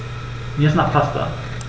Mir ist nach Pasta.